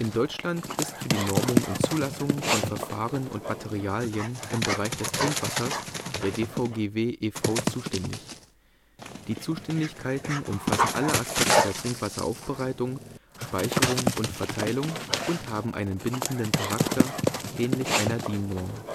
Deutschland ist für die Normung und Zulassung von Verfahren und Materialien im Bereich des Trinkwassers der DVGW e. V. zuständig. Die Zuständigkeiten umfassen alle Aspekte der Trinkwasseraufbereitung, Speicherung und Verteilung und haben einen bindenden Charakter, ähnlich einer DIN-Norm